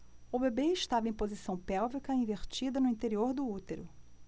o bebê estava em posição pélvica invertida no interior do útero